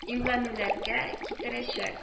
Имганүләргә китерәчәк